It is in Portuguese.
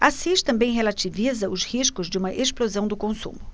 assis também relativiza os riscos de uma explosão do consumo